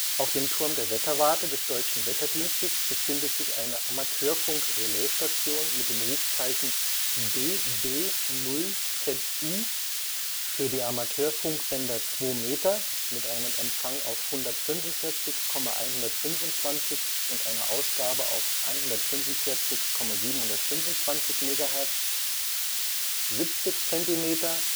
Auf dem Turm der Wetterwarte des Deutschen Wetterdienstes befindet sich eine Amateurfunk-Relaisstation mit dem Rufzeichen DB0ZU für die Amateurfunkbänder 2 Meter (Empfang 145,125, Ausgabe 145,725 MHz), 70 Zentimeter